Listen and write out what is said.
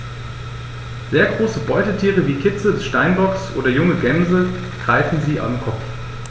Sehr große Beutetiere wie Kitze des Steinbocks oder junge Gämsen greifen sie am Kopf.